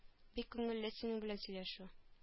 Бик күңелле синең белән сөйләшү